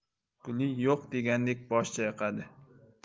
guli yo'q degandek bosh chayqadi